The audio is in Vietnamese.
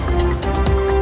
quý